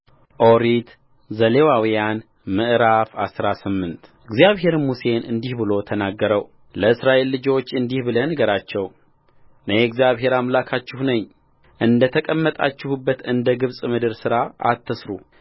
ኦሪት ዘሌዋውያን ምዕራፍ አስራ ስምንት እግዚአብሔርም ሙሴን እንዲህ ብሎ ተናገረውለእስራኤል ልጆች እንዲህ ብለህ ንገራቸው እኔ እግዚአብሔር አምላካችሁ ነኝእንደ ተቀመጣችሁባት እንደ ግብፅ ምድር ሥራ አትሥሩ